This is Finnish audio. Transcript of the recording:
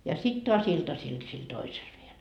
ja sitten taas iltasilla sillä toisella vielä